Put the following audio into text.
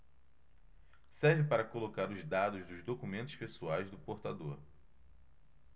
serve para colocar os dados dos documentos pessoais do portador